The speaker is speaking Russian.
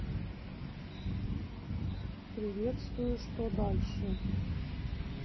приветствую что дальше